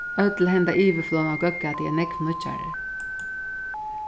øll henda yvirflóðin av góðgæti er nógv nýggjari